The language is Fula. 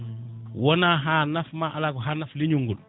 woona ha nafma Allah ko ha naafa leeñol ngol